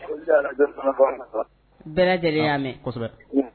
bɛɛ lajɛlen y'a mɛn, kosɛbɛ